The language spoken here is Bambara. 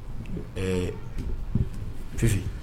Ɛɛ fifin